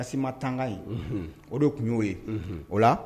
Tan o de tun y'o ye